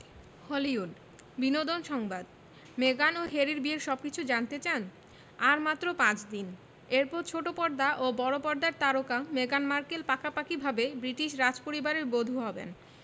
Hollywood বিনোদন সংবাদ মেগান ও হ্যারির বিয়ের সবকিছু জানতে চান আর মাত্র পাঁচ দিন এরপর ছোট পর্দা ও বড় পর্দার তারকা মেগান মার্কেল পাকাপাকিভাবে ব্রিটিশ রাজপরিবারের বধূ হবেন